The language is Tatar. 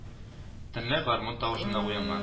Төнлә гармун тавышына уянган